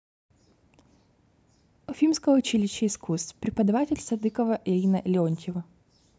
уфимское училище искусств преподаватель садыкова ирина леонтьева